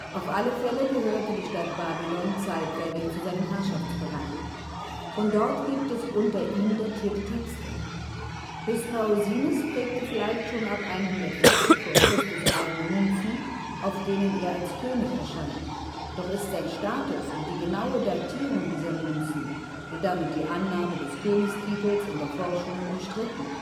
Auf alle Fälle gehörte die Stadt Babylon zeitweilig zu seinem Herrschaftsbereich. Von dort gibt es unter ihm datierte Texte. Hyspaosines prägte vielleicht schon ab 140 v. Chr. eigene Münzen, auf denen er als König erscheint, doch ist sein Status und die genaue Datierung dieser Münzen und damit die Annahme des Königstitels in der Forschung umstritten